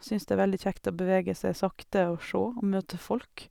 Syns det er veldig kjekt å bevege seg sakte og sjå, og møte folk.